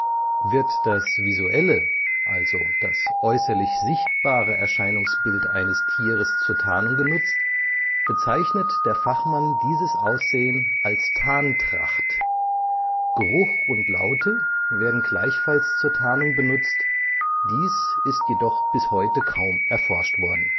Wird das visuelle (das äußerlich sichtbare) Erscheinungsbild eines Tieres zur Tarnung genutzt, bezeichnet der Fachmann dieses Aussehen als Tarntracht. Geruch und Laute werden gleichfalls zur Tarnung benutzt, dies ist jedoch bis heute kaum erforscht worden